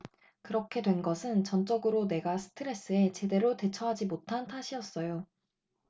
그렇게 된 것은 전적으로 내가 스트레스에 제대로 대처하지 못한 탓이었어요